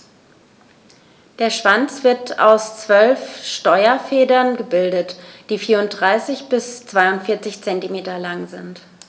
Der Schwanz wird aus 12 Steuerfedern gebildet, die 34 bis 42 cm lang sind.